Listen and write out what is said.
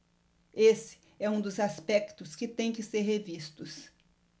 esse é um dos aspectos que têm que ser revistos